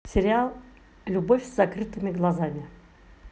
сериал любовь с закрытыми глазами